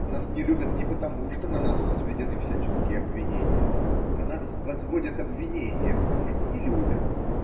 Нас не любят не потому, что на нас возведены всяческие обвинения: на нас взводят обвинения потому, что не любят.